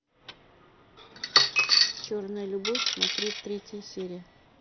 черная любовь смотреть третья серия